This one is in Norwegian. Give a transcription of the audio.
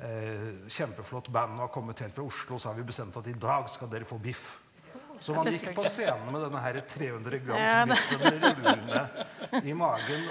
kjempeflott band og har kommet helt fra Oslo så har vi bestemt at i dag skal dere få biff, så man gikk på scenen med denne herre trehundregrams biffen rullende i magen.